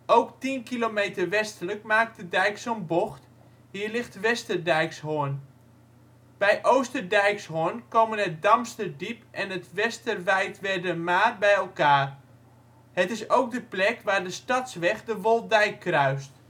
Ook 10 km westelijk maakt de dijk zo 'n bocht; hier ligt Westerdijkshorn. Bij Oosterdijkshorn komen het Damsterdiep en het Westerwijtwerdermaar bij elkaar. Het is ook de plek waar de Stadsweg de Wolddijk kruist